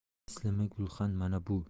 islimi gulxan mana bu